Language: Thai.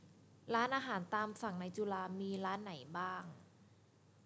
ร้านอาหารตามสั่งในจุฬามีร้านไหนบ้าง